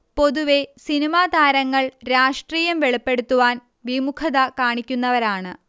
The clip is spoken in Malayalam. പൊതുവെ സിനിമാതാരങ്ങൾ രാഷ്ട്രീയം വെളിപ്പെടുത്തുവാൻ വിമുഖത കാണിക്കുന്നവരാണ്